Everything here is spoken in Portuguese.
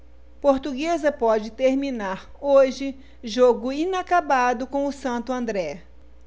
portuguesa pode terminar hoje jogo inacabado com o santo andré